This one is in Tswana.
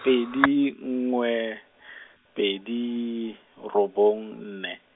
pedi nngwe , pedi, robong nne.